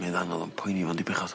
Mae ddanadd o'n poeni fo'n di bechod.